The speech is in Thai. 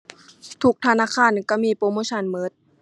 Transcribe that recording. ทุกธนาคารนั่นก็มีโปรโมชันก็